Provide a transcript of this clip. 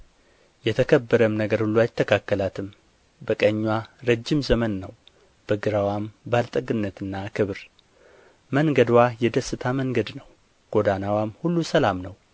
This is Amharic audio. የተከበረም ነገር ሁሉ አይተካከላትም በቀኝዋ ረጅም ዘመን ነው በግራዋም ባለጠግነትና ክብር መንገድዋ የደስታ መንገድ ነው ጎዳናዋም ሁሉ ሰላም ነው